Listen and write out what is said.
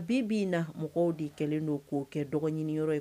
Bi bi in na, mɔgɔw de kɛlen don k'o kɛ dɔgɔ ɲini yɔrɔ ye.